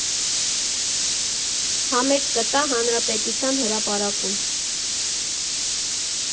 Համերգ կտա Հանրապետության հրապարակում։